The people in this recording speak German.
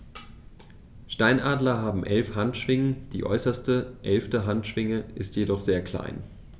Steinadler haben 11 Handschwingen, die äußerste (11.) Handschwinge ist jedoch sehr klein.